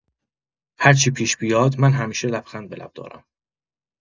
هرچی پیش بیاد، من همیشه لبخند به لب دارم.